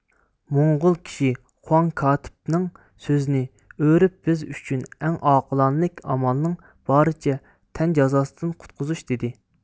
موڭغۇل كىشى خۇاڭ كاتىپنڭ سۆزىنى ئۆرۈپ بىز ئۈچۈن ئەڭ ئاقلانىلىك ئامالنىڭ بارىچە تەن جازاسىدىن قۇتقۇزۇش دىدى